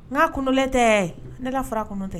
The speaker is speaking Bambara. N' ka kunulen tɛɛɛ ne la fura kunun tɛ.